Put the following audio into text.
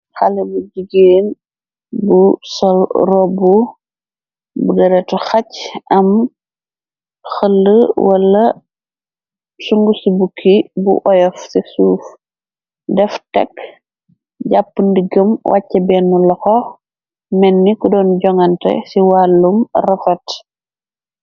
Xale bu jigéen bu sol ropbu bu geretu xacc am xël wala sungu ci bukki bu oyof ci suuf def tekk jàpp ndiggam wàcce benn loxo menni ko doon jonante ci wàllum rokot.